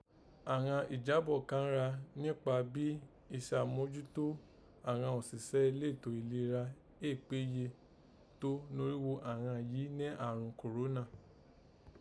Àghan ìjábọ̀ kan gha níkpa bí ìsàmójútó àghan òsìsẹ́ elétò ìlera èé péye tó norígho àghan yìí nẹ́ àrùn Kòrónà